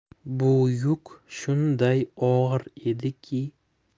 bu yuk shunday og'ir ediki